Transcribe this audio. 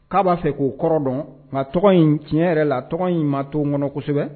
K'a b'a fɛ k'o kɔrɔ dɔn nka tɔgɔ in tiɲɛ yɛrɛ la tɔgɔ in maa to kɔnɔ kosɛbɛ